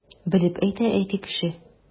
Белеп әйтә әти кеше!